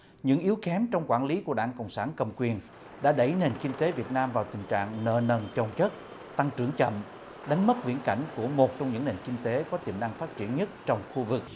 những yếu kém trong quản lý của đảng cộng sản cầm quyền đã đẩy nền kinh tế việt nam vào tình trạng nợ nần chồng chất tăng trưởng chậm đánh mất viễn cảnh của một trong những nền kinh tế có tiềm năng phát triển nhất trong khu vực